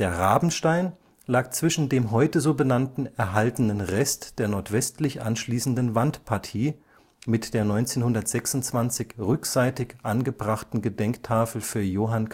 Rabenstein lag zwischen dem heute so benannten erhaltenen Rest der nordwestlich anschließenden Wandpartie (mit der 1926 rückseitig angebrachten Gedenktafel für Johann